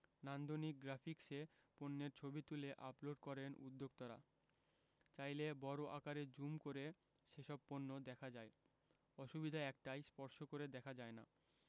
নান্দনিক গ্রাফিকসে পণ্যের ছবি তুলে আপলোড করেন উদ্যোক্তারা চাইলে বড় আকারে জুম করে সেসব পণ্য দেখা যায় অসুবিধা একটাই স্পর্শ করে দেখা যায় না